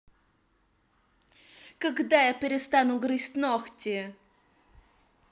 когда я перестану грызть ногти